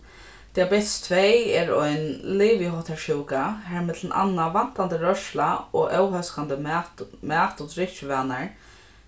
diabetes tvey er ein liviháttarsjúka har millum annað vantandi rørsla og óhóskandi mat mat og drykkjuvanar